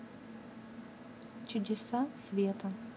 чудеса света